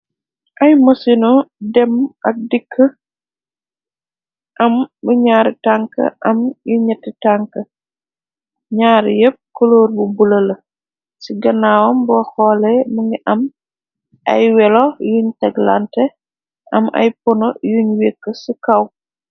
Ay mësino dem ak dikk am bu ñaari tank am yu ñetti tank ñaar yépp koloor bu bulala ci ganaawam bo xoole më ngi am ay welo yuñ taglante am ay pono yuñ wekk ci kaw.